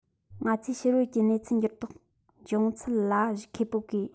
ང ཚོས ཕྱི རོལ ཡུལ གྱི གནས ཚུལ འགྱུར ལྡོག བྱུང ཚུལ ལ གཞིགས མཁས པོ དགོས